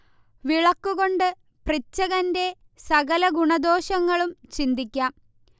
വിളക്കു കൊണ്ട് പൃച്ഛകന്റെ സകല ഗുണദോഷങ്ങളും ചിന്തിക്കാം